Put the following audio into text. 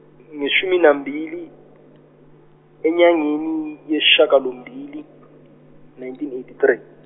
ne Tshumi nambili enyangeni yesishagalombili, nineteen eighty three.